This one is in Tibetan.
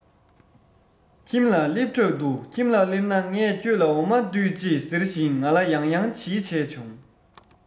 ཁྱིམ ལ སླེབས གྲབས འདུག ཁྱིམ ལ སླེབས ན ངས ཁྱོད ལ འོ མ ལྡུད ཅེས ཟེར བཞིན ང ལ ཡང ཡང བྱིལ བྱས བྱུང